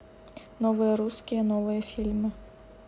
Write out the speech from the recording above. новые русские новые фильмы